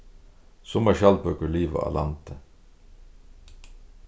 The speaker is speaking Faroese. summar skjaldbøkur liva á landi